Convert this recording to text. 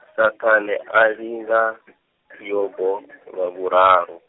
Saṱhane a linga , Yobo, lwa vhuraru.